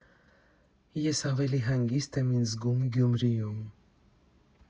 Ես ավելի հանգիստ եմ ինձ զգում Գյումրիում։